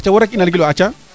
aca wo rek i nan gilwa aca